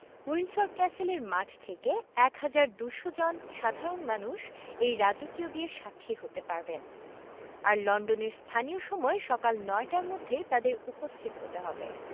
Windsor ক্যাসেলের মাঠ থেকে ১হাজার ২০০ জন সাধারণ মানুষ এই রাজকীয় বিয়ের সাক্ষী হতে পারবেন আর লন্ডনের স্থানীয় সময় সকাল নয়টার মধ্যে তাঁদের উপস্থিত হতে হবে